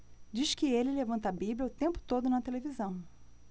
diz que ele levanta a bíblia o tempo todo na televisão